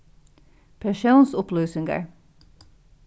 persónsupplýsingar